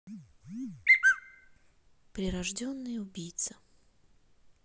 прирожденный убийца